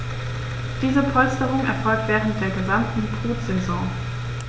Diese Polsterung erfolgt während der gesamten Brutsaison.